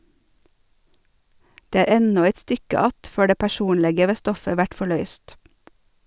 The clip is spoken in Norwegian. Det er ennå eit stykke att før det personlege ved stoffet vert forløyst.